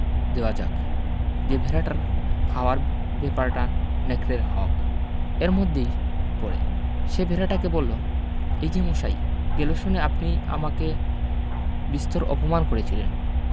দেওয়া যাক যে ভেড়াটার খাওয়ার ব্যাপারটা নেকড়ের হক এর মধ্যেই পড়ে সে ভেড়াটাকে বলল এই যে মশাই গেল সনে আপনি আমাকে বিস্তর অপমান করেছিলেন